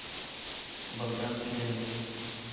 богдан титомир